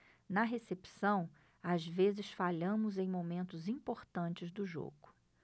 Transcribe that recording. na recepção às vezes falhamos em momentos importantes do jogo